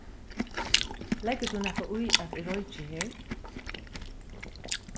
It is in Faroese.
leggur tú nakað í at eg royki her